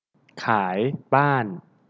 ขายบ้าน